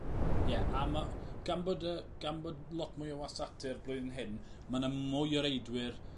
Ie a ma' gan bod yy gan bod lot mwy o wasatîr blwyddyn hyn ma' 'na mwy o reidwyr